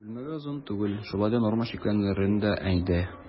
Күлмәге озын түгел, шулай да норма чикләрендә иде.